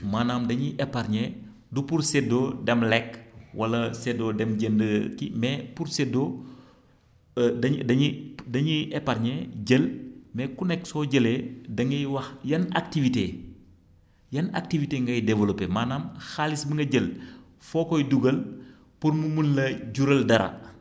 maanaam dañuy épargné du pour séddoo dem lekk wala séddoo dem jënd ci mais pour séddoo da dañuy dañuy épargné jël mais ku nekk soo jëlee dañuy wax yan activités yan activités ngay développé maanaam xaalis bi nga jël foo koy dugal pour mu mën la jural dara